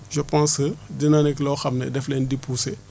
je pense que dina nekk loo xam ne daf leen di pousser